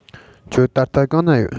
ཁྱོད ད ལྟ གང ན ཡོད